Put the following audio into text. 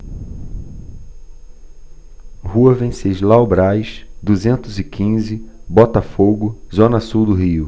rua venceslau braz duzentos e quinze botafogo zona sul do rio